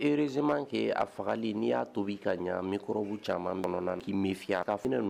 Erezema kɛ a fagali n'i y'a to b'i ka ɲamikɔrɔbu caman kɔnɔna na k'i minya ka finɛ